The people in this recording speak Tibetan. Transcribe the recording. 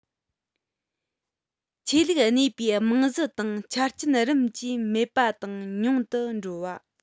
ཆོས ལུགས གནས པའི རྨང གཞི དང ཆ རྐྱེན རིམ གྱིས མེད པ དང ཉུང དུ འགྲོ བ